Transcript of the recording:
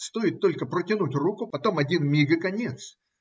Стоит только протянуть руку; потом - один миг, и конец.